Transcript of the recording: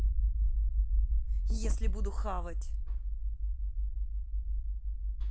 если буду хавать